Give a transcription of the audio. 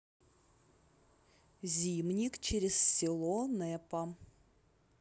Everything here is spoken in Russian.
зимник через село нэпа